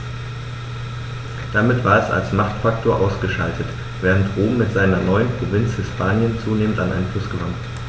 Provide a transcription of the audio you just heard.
Damit war es als Machtfaktor ausgeschaltet, während Rom mit seiner neuen Provinz Hispanien zunehmend an Einfluss gewann.